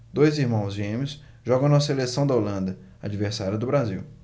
dois irmãos gêmeos jogam na seleção da holanda adversária do brasil